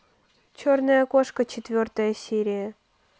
черная кошка четвертая серия